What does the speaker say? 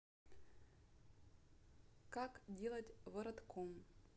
как делать воротком